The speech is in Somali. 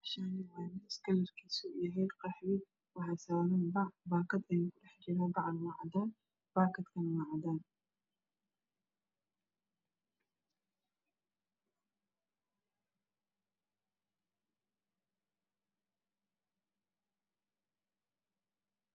Meeshaan waa miis kalarkiisu uu yahay qaxwi waxaa saaran bac baakad kudhex jiro. Bacdu waa cadaan baakadkana waa cadaan.